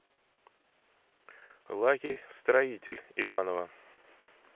лагерь строитель иваново